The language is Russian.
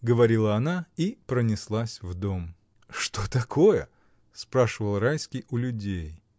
— говорила она и пронеслась в дом. — Что такое? — спрашивал Райский у людей.